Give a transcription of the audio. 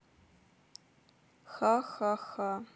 ха ха ха